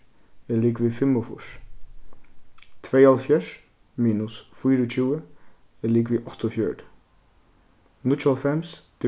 er ligvið fimmogfýrs tveyoghálvfjerðs minus fýraogtjúgu er ligvið áttaogfjøruti níggjuoghálvfems